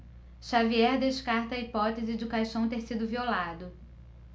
xavier descarta a hipótese de o caixão ter sido violado